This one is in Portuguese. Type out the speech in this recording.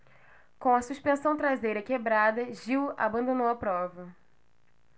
com a suspensão traseira quebrada gil abandonou a prova